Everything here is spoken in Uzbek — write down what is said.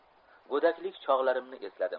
go'daklik chog'larimni esladim